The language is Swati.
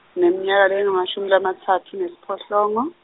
ngineminyaka lengemashumi lamatsatfu nesiphohlongo.